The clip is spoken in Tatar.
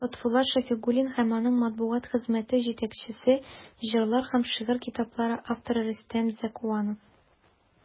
Лотфулла Шәфигуллин һәм аның матбугат хезмәте җитәкчесе, җырлар һәм шигырь китаплары авторы Рөстәм Зәкуанов.